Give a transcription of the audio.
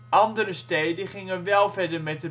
Andere steden gingen wel verder met